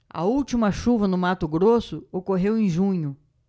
a última chuva no mato grosso ocorreu em junho